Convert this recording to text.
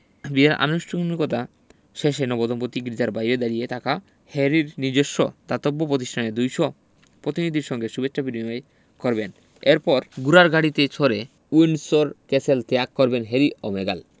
বিয়ের আনুষ্ঠানিকতা শেষে নবদম্পতি গির্জার বাইরে দাঁড়িয়ে থাকা হ্যারির নিজস্ব দাতব্য প্রতিষ্ঠানের ২০০ প্রতিনিধির সঙ্গে শুভেচ্ছা বিনিময় করবেন এরপর ঘোড়ার গাড়িতে চড়ে উইন্ডসর ক্যাসেল ত্যাগ করবেন হ্যারি ও মেগাল